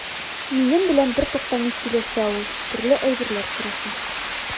Минем белән бертуктамый сөйләшә ул, төрле әйберләр сораша.